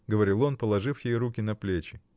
— говорил он, положив ей руки на плеча.